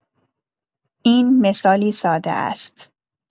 این مثالی ساده است.